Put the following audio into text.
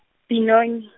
Benoni.